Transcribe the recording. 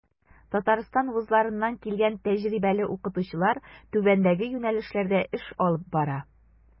Татарстан вузларыннан килгән тәҗрибәле укытучылар түбәндәге юнәлешләрдә эш алып бара.